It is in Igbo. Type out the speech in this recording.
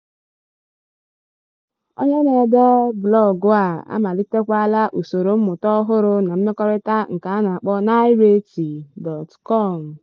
Onye na-ede blọọgụ a amalitekwala usoro mmụta ọhụrụ na mmekorita nke a na-akpọ 9rayti.com.